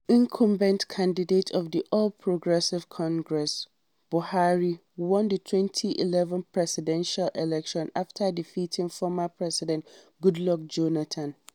The incumbent candidate of the All Progressive Congress, Buhari won the 2011 presidential election after defeating former president Goodluck Jonathan.